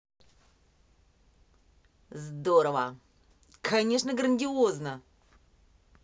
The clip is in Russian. здорово конечно грандиозно